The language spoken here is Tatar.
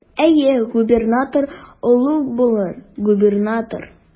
Әйе, губернатор олуг булыр, губернатор.